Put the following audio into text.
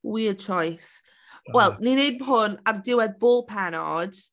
Weird choice. Wel ni'n wneud hwn ar diwedd bob pennod.